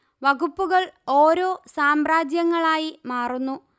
വകുപ്പുകൾ ഓരോ സാമ്രാജ്യങ്ങളായി മാറുന്നു